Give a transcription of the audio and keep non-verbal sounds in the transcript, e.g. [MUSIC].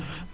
[HESITATION] [HESITATION]